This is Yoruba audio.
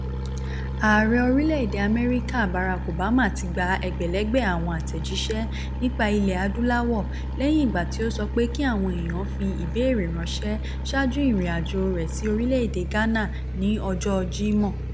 Ààrẹ orílẹ̀ èdè America Barack Obama tí gba ẹgbẹ̀lẹ́gbẹ̀ àwọn àtẹ̀jíṣẹ́ nípa ilẹ̀ Adúláwò lẹ́yìn ìgbà tí ó sọ pé kí àwọn èèyàn fi ìbéèrè ránṣẹ́ ṣáájú ìrìn àjò rẹ̀ sí orílẹ̀ èdè Ghana ní ọjọ́ Jímọ̀.